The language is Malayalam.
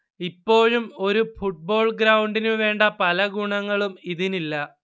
ഇപ്പോഴും ഒരു ഫുട്ബോൾ ഗ്രൗണ്ടിനുവേണ്ട പല ഗുണങ്ങളും ഇതിനില്ല